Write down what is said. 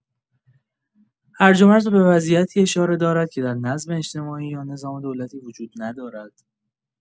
هرج‌ومرج به وضعیتی اشاره دارد که در آن نظم اجتماعی یا نظام دولتی وجود ندارد.